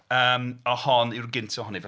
Ymm a hon yw'r gyntaf ohony-